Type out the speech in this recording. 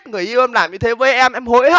người yêu làm như thế với em em hối hận